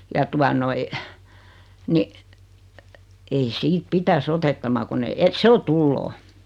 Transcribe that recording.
ja tuota noin niin ei siitä pitäisi otettaman kun en että se on tuloa